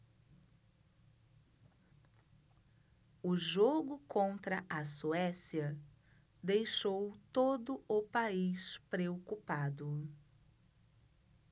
o jogo contra a suécia deixou todo o país preocupado